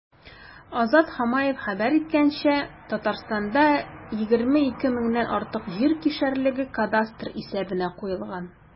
Азат Хамаев хәбәр иткәнчә, Татарстанда 22 меңнән артык җир кишәрлеге кадастр исәбенә куелган.